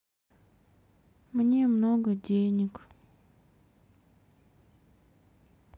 мне много денег